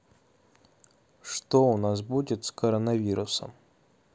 что у нас будет с коронавирусом